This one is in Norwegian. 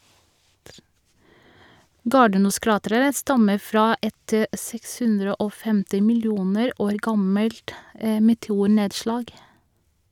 Gardnoskrateret stammer fra et 650 millioner år gammelt meteornedslag.